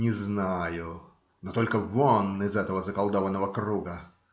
Не знаю, но только вон из этого заколдованного круга.